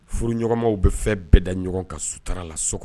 Furuɲɔgɔnmaw bɛ fɛn bɛɛ da ɲɔgɔn ka sutura la so kɔnɔ